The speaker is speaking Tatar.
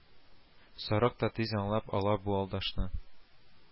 Сарык та тиз аңлап ала бу алдашны